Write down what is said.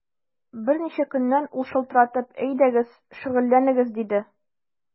Берничә көннән ул шалтыратып: “Әйдәгез, шөгыльләнегез”, диде.